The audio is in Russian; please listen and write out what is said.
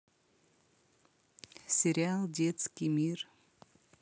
сериал детский мир